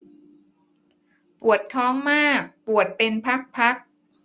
ปวดท้องมากปวดเป็นพักพัก